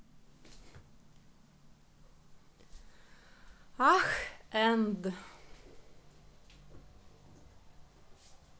ax and